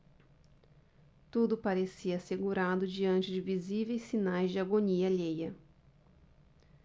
tudo parecia assegurado diante de visíveis sinais de agonia alheia